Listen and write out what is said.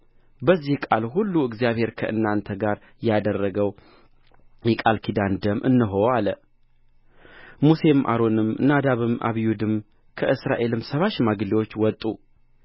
በዚህ ቃል ሁሉ እግዚአብሔር ከእናንተ ጋር ያደረገው የቃል ኪዳኑ ደም እነሆ አለ ሙሴም አሮንም ናዳብም አብዩድም ከእስራኤልም ሰባ ሽማግሌዎች ወጡ